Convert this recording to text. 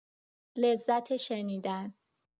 لذت شنیدن